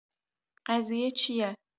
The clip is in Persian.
قضیه چیه